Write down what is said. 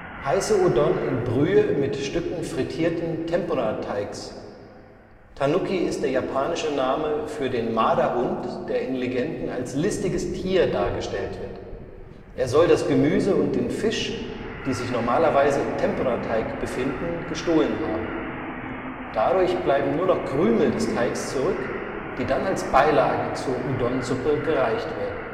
Heiße Udon in Brühe mit Stücken frittierten Tempura-Teigs. Tanuki ist der japanische Name für den Marderhund, der in Legenden als listiges Tier dargestellt wird. Er soll das Gemüse und den Fisch, die sich normalerweise im Tempura-Teig befinden, gestohlen haben. Dadurch bleiben nur noch Krümel des Teigs zurück, die dann als Beilage zur Udon-Suppe gereicht werden